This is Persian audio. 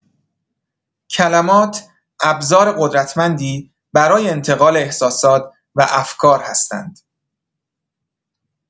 کلمات ابزار قدرتمندی برای انتقال احساسات و افکار هستند.